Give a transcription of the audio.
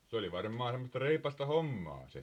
se oli varmaan semmoista reipasta hommaa se